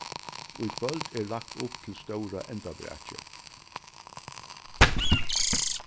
í kvøld er lagt upp til stóra endabrakið